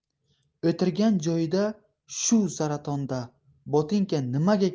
o'tirgan joyida shu saratonda botinka